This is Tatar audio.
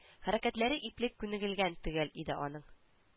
Хәрәкәтләре ипле күнегелгән төгәл иде аның